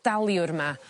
daliwr 'ma